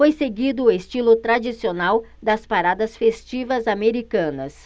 foi seguido o estilo tradicional das paradas festivas americanas